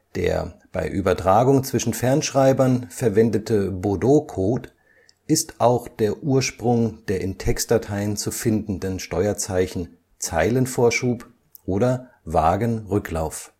Der bei Übertragung zwischen Fernschreibern verwendete Baudot-Code ist auch der Ursprung der in Textdateien zu findenden Steuerzeichen „ Zeilenvorschub “oder „ Wagenrücklauf